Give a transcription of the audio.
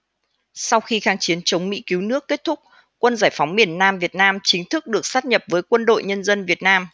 sau khi kháng chiến chống mỹ cứu nước kết thúc quân giải phóng miền nam việt nam chính thức được sáp nhập với quân đội nhân dân việt nam